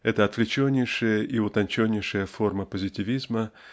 Эта отвлеченнейшая и утонченнейшая форма позитивизма